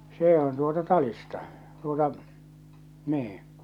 se on tuota talista tuota niin